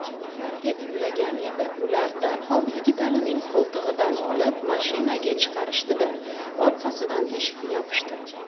yigitlarga imlagan edi ular darhol yigitalining qo'ltig'idan olib mashinaga chiqarishdi da orqasidan eshikni yopishdi